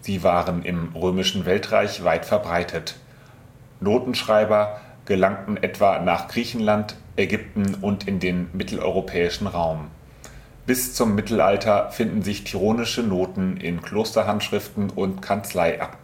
Sie waren im Römischen Weltreich weit verbreitet; „ Notenschreiber “gelangten etwa nach Griechenland, Ägypten und in den mitteleuropäischen Raum. Bis zum Mittelalter finden sich Tironische Noten in Klosterhandschriften und Kanzleiakten